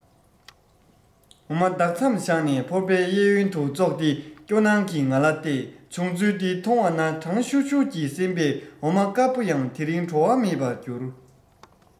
འོ མ ལྡག མཚམས བཞག ནས ཕོར པའི གཡས གཡོན དུ ཙོག སྟེ སྐྱོ སྣང གིས ང ལ བལྟས བྱུང ཚུལ འདི མཐོང བ ན གྲང ཤུར ཤུར གྱི སེམས པས འོ མ དཀར པོ ཡང དེ རིང བྲོ བ མེད པར འགྱུར